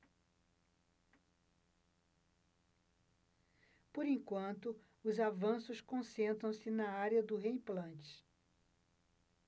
por enquanto os avanços concentram-se na área do reimplante